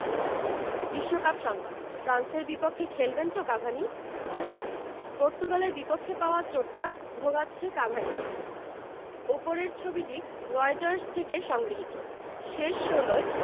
বিশ্বকাপ সংবাদ ফ্রান্সের বিপক্ষে খেলবেন তো কাভানি পর্তুগালের বিপক্ষে পাওয়া চোটটা ভোগাচ্ছে কাভানিকে ওপরের ছবিটি রয়টার্স থেকে সংগৃহীত শেষ ষোলোয়